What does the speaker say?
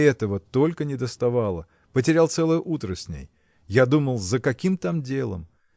Этого только недоставало: потерял целое утро с ней. Я думал, за каким там делом